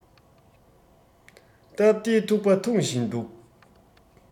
སྟབས བདེའི ཐུག པ འཐུང བཞིན འདུག